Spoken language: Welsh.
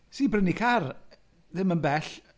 Wnes i brynnu car ddim yn bell.